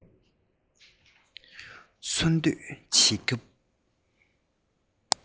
འཚོ སྡོད བྱེད སྐབས